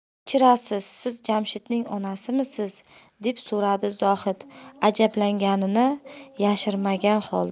kechirasiz siz jamshidning onasimisiz deb so'radi zohid ajablanganini yashirmagan holda